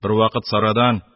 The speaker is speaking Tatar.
Бервакыт Сарадан: